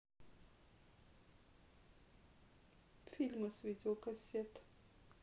фильмы с видеокассет